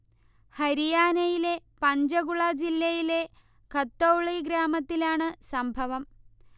ഹരിയാനയിലെ പഞ്ചഗുള ജില്ലയിലെ ഖത്തൗളി ഗ്രാമത്തിലാണ് സംഭവം